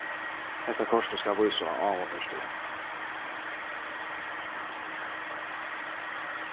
hetta kortið skal vísa á áhugaverd støð